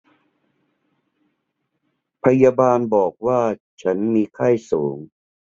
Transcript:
พยาบาลบอกว่าฉันมีไข้สูง